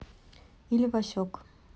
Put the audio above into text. или васек